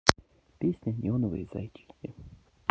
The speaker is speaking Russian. песня неоновые зайчики